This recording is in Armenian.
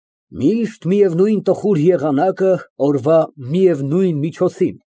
Միշտ միևնույն տխուր եղանակը օրվա միևնույն միջոցին։